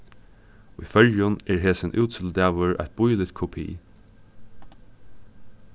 í føroyum er hesin útsøludagur eitt bíligt kopi